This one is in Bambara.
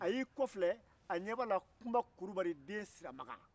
a y'i kɔ filɛ a ɲɛ b'ala kunba kurubali de siramakan